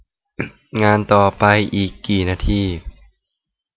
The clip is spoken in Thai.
งานต่อไปอีกกี่นาที